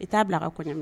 I t'a bila a ka kɔɲɔ